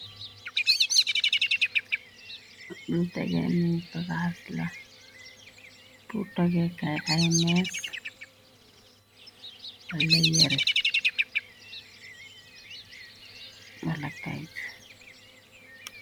Lu tegeni bagaasla butoke kay ims wale yere mala kayit.